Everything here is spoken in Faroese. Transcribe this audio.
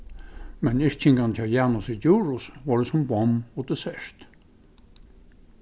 men yrkingarnar hjá janusi djurhuus vóru sum bomm og dessert